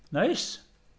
Neis.